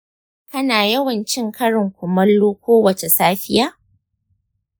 kana yawan cin karin kumallo kowace safiya?